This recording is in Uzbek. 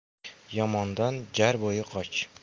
yomondan jar bo'yi qoch